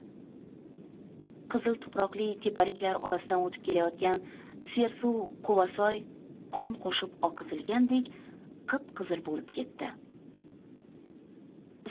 qizil tuproqli tepaliklar orasidan o'tib kelayotgan sersuv quvasoy qon qo'shib oqizilgandek qip qizil bo'lib ketdi